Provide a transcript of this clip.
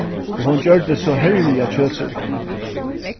og hon gjørdi so herliga kjøtsúpan